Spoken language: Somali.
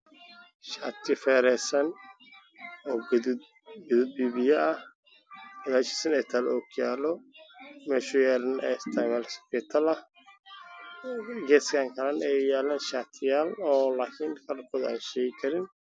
Meeshaan wax ayaa loo shaati weyn oo baduud ah waxaana geeskiisa kala yaalla ogyahay alooyin madow ah oo dhala ah